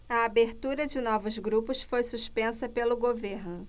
a abertura de novos grupos foi suspensa pelo governo